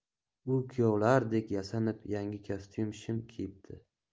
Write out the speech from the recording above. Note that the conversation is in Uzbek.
u kuyovlardek yasanib yangi kostum shim kiyibdi